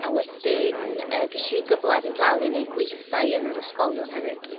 A wedyn yy gesh i gyfla i fynd lawr i neud gweithdai yn yr ysgolion hefyd.